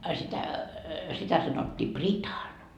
a sitä sitä sanottiin pritan